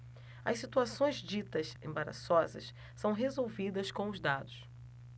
as situações ditas embaraçosas são resolvidas com os dados